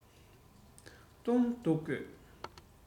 གདོང གཏུག དགོས